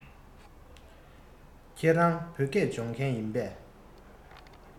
ཁྱེད རང བོད སྐད སྦྱོང མཁན ཡིན པས